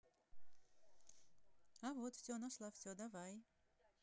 а вот все нашла все давай